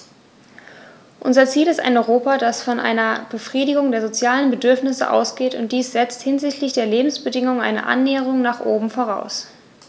Unser Ziel ist ein Europa, das von einer Befriedigung der sozialen Bedürfnisse ausgeht, und dies setzt hinsichtlich der Lebensbedingungen eine Annäherung nach oben voraus.